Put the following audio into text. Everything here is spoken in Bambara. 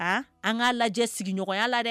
A an k'a lajɛ sigiɲɔgɔnya la dɛ